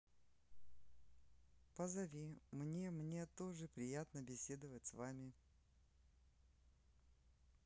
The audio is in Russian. позови мне мне тоже приятно беседовать с вами